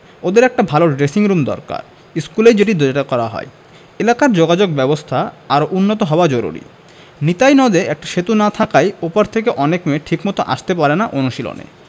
ওদের একটা ভালো ড্রেসিংরুম দরকার স্কুলেই যেটি করা যায় এলাকার যোগাযোগব্যবস্থা আরও উন্নত হওয়া জরুরি নিতাই নদে একটা সেতু না থাকায় ও পার থেকে অনেক মেয়ে ঠিকমতো আসতে পারে না অনুশীলনে